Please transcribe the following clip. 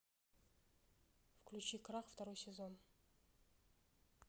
включи крах второй сезон